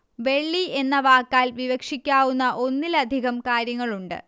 വെള്ളി എന്ന വാക്കാൽ വിവക്ഷിക്കാവുന്ന ഒന്നിലധികം കാര്യങ്ങളുണ്ട്